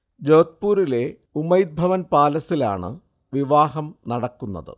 ജോഥ്പൂരിലെ ഉമൈദ് ഭവൻ പാലസിലാണ് വിവാഹം നടക്കുന്നത്